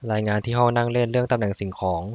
รายงานที่ห้องนั่งเล่นเรื่องตำแหน่งสิ่งของ